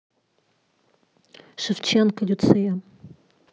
шевченко люция